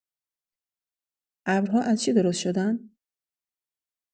ابرها از چی درست شدن؟